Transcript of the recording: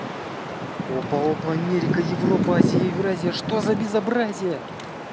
опа опа америка европа азия евразия что за безобразие